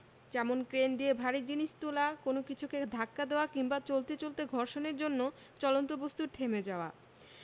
যেমন ক্রেন দিয়ে ভারী জিনিস তোলা কোনো কিছুকে ধাক্কা দেওয়া কিংবা চলতে চলতে ঘর্ষণের জন্য চলন্ত বস্তুর থেমে যাওয়া